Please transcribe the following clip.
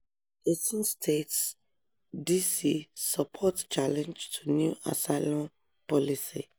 18 states, D.C. support challenge to new asylum policy